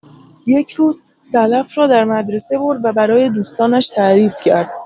یک روز، صدف را در مدرسه برد و برای دوستانش تعریف کرد.